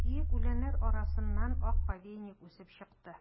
Биек үләннәр арасыннан ак повейник үсеп чыкты.